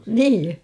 niin